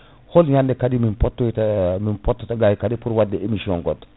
hol ñade kadi min pottoyta minpotta gay kadi pour wadde emission goɗɗo